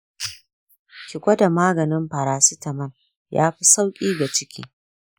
ki gwada maganin paracitamol; yafi sauƙi ga ciki.